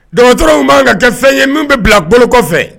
Ga dɔgɔtɔrɔw b'an ka kɛ fɛn ye min bɛ bila boloko kɔfɛ